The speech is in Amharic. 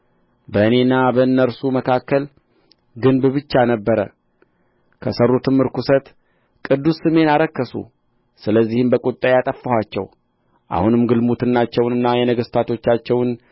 በእኔና በእነርሱም መካከል ግንብ ብቻ ነበረ በሠሩትም ርኵሰት ቅዱስ ስሜን አረከሱ ስለዚህ በቍጣዬ አጠፋኋቸው አሁንም ግልሙትናቸውንና የነገሥታቶቻቸውን